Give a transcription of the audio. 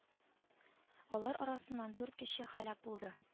Алар арасыннан дүрт кеше һәлак булды